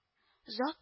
Озак